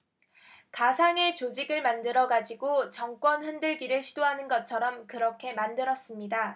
가상의 조직을 만들어 가지고 정권 흔들기를 시도하는 것처럼 그렇게 만들었습니다